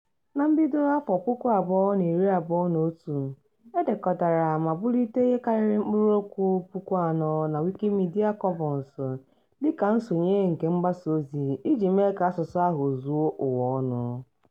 Na mbido 2021, edekọtara ma bulite ihe karịrị mkpụrụokwu 4,000 na Wikimedia Commons dịka nsonye nke mgbasaozi iji mee ka asụsụ ahụ zuo ụwaọnụ.